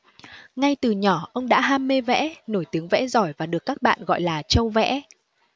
ngay từ nhỏ ông đã ham mê vẽ nổi tiếng vẽ giỏi và được các bạn gọi là châu vẽ